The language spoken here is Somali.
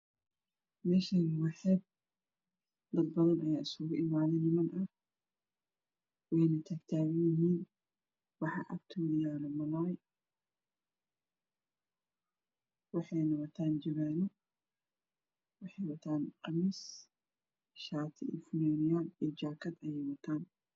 Meeshaan waa xeeb dad badan ayaa iskugu imaaday niman ah wayna taagtaagan yihiin. Waxaa agtooda yaal malaay waxay na wataan jawaano waxay wataan qamiis iyo shaati iyo jaakad ayay wataan.